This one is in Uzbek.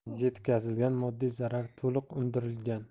yetkazilgan moddiy zarar to'liq undirilgan